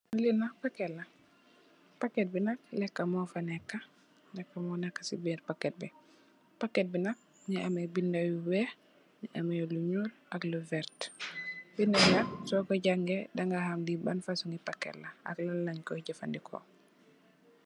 Li nak packet la packet bi nak leka mofa neka leka mo neka si birr packet bi packet bi nak mu ame binda yu weex ame lu nuul ak lu vertax binday nak soko jangey da nga xam li ban fosongi packet la ak lan laay koi jefendeko.